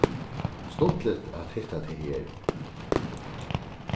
stuttligt at hitta teg her